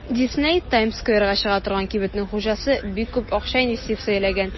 Дисней (Таймс-скверга чыга торган кибетнең хуҗасы) бик күп акча инвестицияләгән.